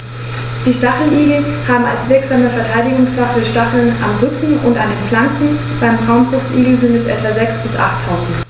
Die Stacheligel haben als wirksame Verteidigungswaffe Stacheln am Rücken und an den Flanken (beim Braunbrustigel sind es etwa sechs- bis achttausend).